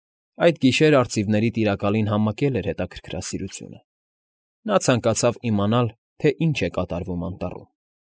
Այդ գիշեր արծիվների Տիրակալին համակել էր հետաքրքրասիրությունը. նա ցանկացավ իմանալ, թե ինչ է կատարվում անտառում։